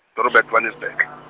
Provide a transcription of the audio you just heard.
ḓorobo ya Johannesburg.